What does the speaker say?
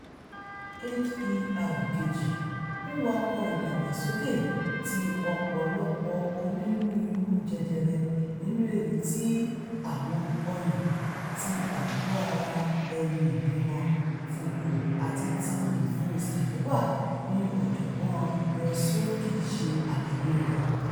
HER2 ''ńwakọ̀ ìdàgbàsókè ti ọ̀pọ̀lọpọ̀ onírúurú jẹjẹrẹ,'' nínú èyití ti àwọn ọyàn, tí àgọ́-ara ẹyin ìbímọ, fùùkû ati tí ìfun ìsàlẹ̀ wà, ni Ọ̀jọ̀gbọ́n Berzofsky ṣe àlàyé rẹ̀.